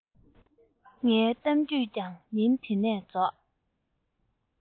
ངའི གཏམ རྒྱུད ཀྱང ཉིན དེ ནས རྫོགས